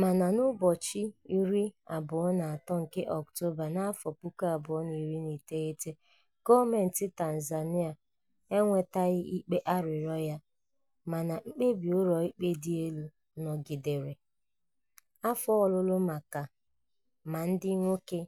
Mana n'ụbọchị 23 nke Ọktoba, 2019, gọọmentị Tanzania enwetaghị ikpe arịrịọ ya ma mkpebi ụlọ ikpe dị elu nọgidere: Afọ ọlụlụ maka ma ndị nwoke